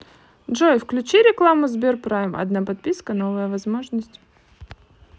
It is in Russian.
джой включи рекламу сберпрайм одна подписка новая возможность